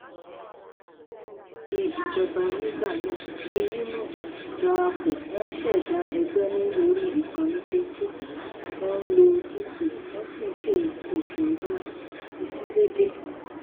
Ẹgbẹ́ tí ó ń ṣe ìjọba nígbà náà Frelimo darapọ̀, wọ́n ṣẹ̀dá ẹgbẹ́ ní orí ìkànnì Facebook, wọ́n ń lo YouTube, tí wọ́n sì ń ṣẹ̀dá ìfiléde.